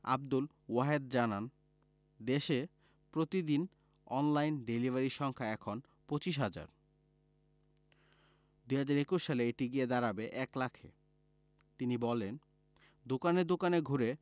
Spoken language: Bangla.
আবদুল ওয়াহেদ জানান দেশে প্রতিদিন অনলাইন ডেলিভারি সংখ্যা এখন ২৫ হাজার ২০২১ সালে এটি গিয়ে দাঁড়াবে ১ লাখে তিনি বলেন দোকানে দোকানে ঘুরে